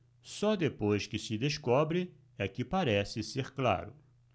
só depois que se descobre é que parece ser claro